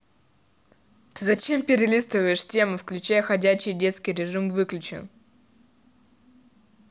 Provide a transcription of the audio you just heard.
ты зачем перелистываешь тему включай ходячие детский режим выключен